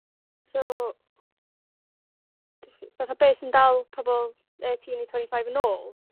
so diff- fatha' be sy'n dal pobol eighteen to twenty five yn ôl?